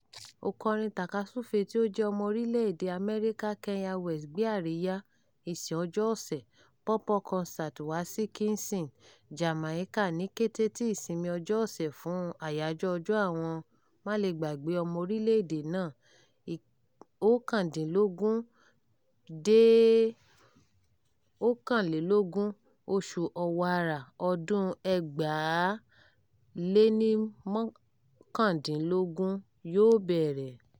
Ọ̀kọrin tàkasúfèé tí ó jẹ́ ọmọ orílẹ̀ èdèe Amẹ́ríkà Kanye West gbé àríyá "Ìsìn Ọjọ́ Ọ̀sẹ̀ " pop-up concert wá sí Kingston, Jamaica, ní kété tí ìsinmi ọjọ́ ọ̀sẹ̀ fún Àyájọ́ Ọjọ́ Àwọn Málegbàgbé Ọmọ Orílẹ̀-èdè náà (19-21, oṣù Ọ̀wàrà ọdún-un 2019) yóò bẹ̀rẹ̀.